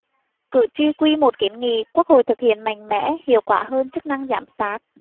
cử tri q một kiến nghị quốc hội thực hiện mạnh mẽ hiệu quả hơn chức năng giám sát